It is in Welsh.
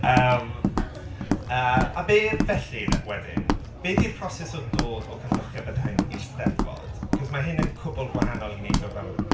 Yym a a beth felly wedyn, be 'di'r proses o dod o cynhyrchiad fel hyn i'r Steddfod? Achos mae hyn yn cwbwl wahanol i wneud o fel...